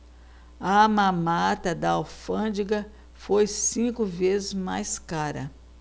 a mamata da alfândega foi cinco vezes mais cara